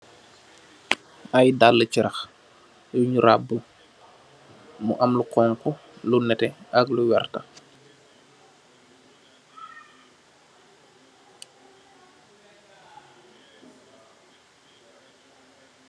Ay daali carax, yuñ rawbu, mu am lu xoñgo, netté ak lu werta.